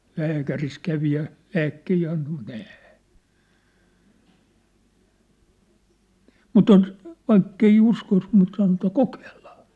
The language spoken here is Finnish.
lääkärissä kävi ja lääkkeitä antoi mutta ei mutta onko vaikka ei uskoisi mutta sanoisi että kokeillaan